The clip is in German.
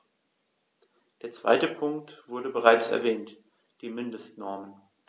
Der zweite Punkt wurde bereits erwähnt: die Mindestnormen.